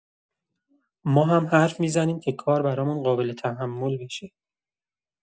ما هم حرف می‌زنیم که کار برامون قابل‌تحمل بشه.